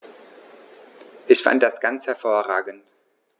Ich fand das ganz hervorragend.